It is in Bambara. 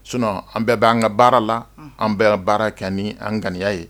So an bɛɛ bɛ an ka baara la an bɛɛ baara kɛ ni an ŋaniya ye